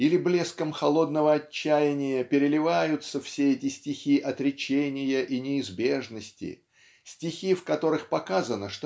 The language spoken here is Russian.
или блеском холодного отчаяния переливаются все эти стихи отречения и неизбежности -- стихи в которых показано